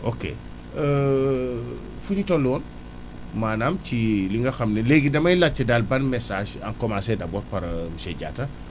ok fu ñu toll woon maanaam ci li nga xam ne léegi damay daal ban message à commencer d' abord par monsieur Diatta